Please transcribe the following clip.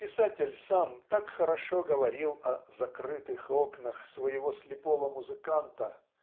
Писатель сам так хорошо говорил о "закрытых окнах" своего слепого музыканта